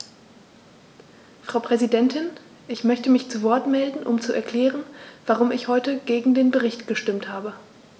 Frau Präsidentin, ich möchte mich zu Wort melden, um zu erklären, warum ich heute gegen den Bericht gestimmt habe.